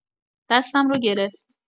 دستم رو گرفت.